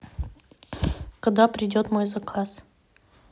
когда приедет мой заказ